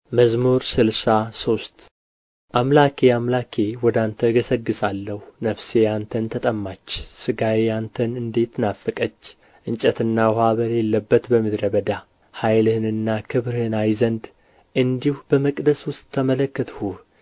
መዝሙር ስልሳ ሶስት አምላኬ አምላኬ ወደ አንተ እገሠግሣለሁ ነፍሴ አንተን ተጠማች ሥጋዬ አንተን እንዴት ናፈቀች እንጨትና ውኃ በሌለበት በምድረ በዳ ኃይልህንና ክብርህን አይ ዘንድ እንዲሁ በመቅደስ ውስጥ ተመለከትሁህ